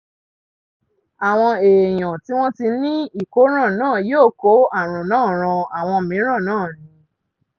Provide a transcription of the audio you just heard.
Àwọn èèyàn tí wọ́n ti ní ìkóràn náà yóò kó àrùn náà ran àwọn mìíràn náà ni.